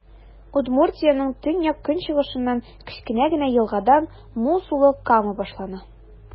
Удмуртиянең төньяк-көнчыгышыннан, кечкенә генә елгадан, мул сулы Кама башлана.